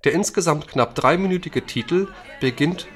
insgesamt knapp dreiminütige Titel beginnt